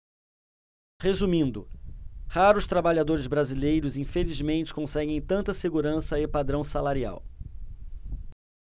resumindo raros trabalhadores brasileiros infelizmente conseguem tanta segurança e padrão salarial